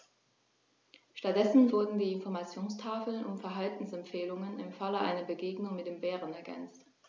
Stattdessen wurden die Informationstafeln um Verhaltensempfehlungen im Falle einer Begegnung mit dem Bären ergänzt.